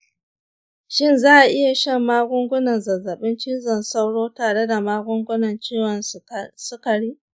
shin za a iya shan magungunan zazzabin cizon sauro tare da magungunan ciwon sukari?